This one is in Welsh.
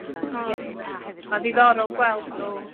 O. Ie... Ma'n ddiddorol gweld nw